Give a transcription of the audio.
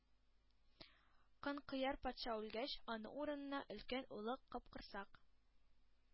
Канкояр патша үлгәч, аның урынына өлкән улы Капкорсак